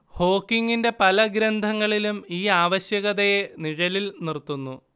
ഹോക്കിങ്ങിന്റെ പല ഗ്രന്ഥങ്ങളിലും ഈ ആവശ്യകതയെ നിഴലിൽ നിർത്തുന്നു